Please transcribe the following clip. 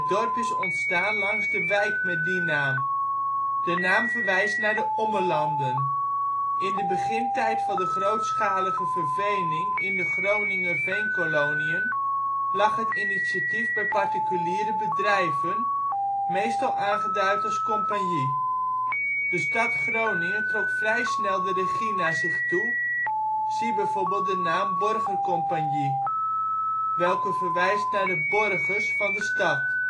dorp is ontstaan langs de wijk met die naam. De naam verwijst naar de Ommelanden. In de begintijd van de grootschalige vervening in de Groninger Veenkoloniën lag het initiatief bij particuliere bedrijven, meestal aangeduid als compagnie. De stad Groningen trok vrij snel de regie naar zich toe, zie bijvoorbeeld de naam Borgercompagnie, welke verwijst naar de borgers van de stad